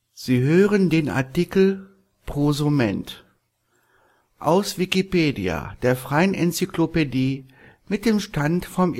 Sie hören den Artikel Prosumer, aus Wikipedia, der freien Enzyklopädie. Mit dem Stand vom